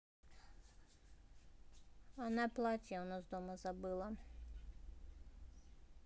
она платье у нас дома забыла